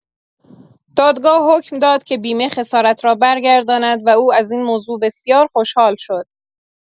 دادگاه حکم داد که بیمه خسارت را برگرداند و او از این موضوع بسیار خوشحال شد.